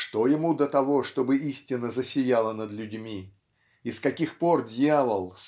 Что ему до того, чтобы истина засияла над людьми? И с каких пор дьявол